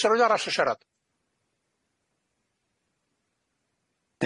Sa rywun arall yn siarad?